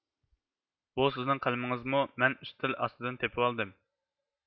بۇ سىزنىڭ قەلىمىڭىزمۇ مەن ئۈستەل ئاستىدىن تېپىۋالدىم